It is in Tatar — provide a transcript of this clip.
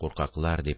Куркаклар